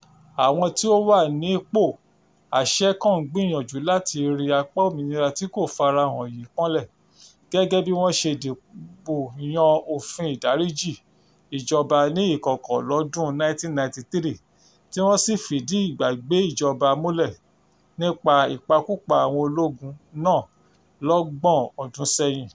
Àwọn tí ó wà nípò àṣẹ kàn ń gbìyànjú láti ri apá òmìnira tí kò farahàn yìí mọ́lẹ̀, gẹ́gẹ́ bí wọ́n ṣe dìbò yan òfin ìdáríjì ìjọba ní ìkọ̀kọ̀ lọ́dún 1993 tí wọ́n sì fìdí ìgbàgbé ìjọba múlẹ̀ nípa ìpakúpa àwọn ológun náà lọ́gbọ̀n ọdún sẹ́yìn.